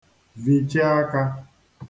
vìcha ākā